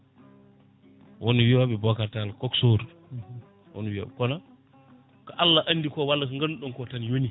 woon wiyoɓe Bocar Tall coxeur woon wiiyoɓe kono ko Allah andi ko walla ko ganduɗon ko tan yooni